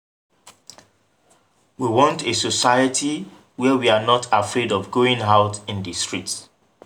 We want a society where we are not afraid of going out in the street!